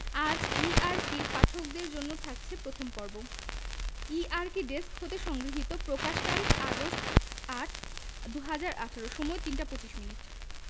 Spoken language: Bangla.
আজ ই আরকির পাঠকদের জন্যে থাকছে প্রথম পর্ব ই আরকি ডেস্ক হতে সংগৃহীতপ্রকাশকালঃ আগস্ট ০৮ ২০১৮ সময়ঃ ৩টা ২৫ মিনিট